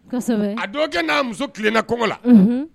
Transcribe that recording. A dɔgɔ kɛ n'a muso tilenna kɔngɔ la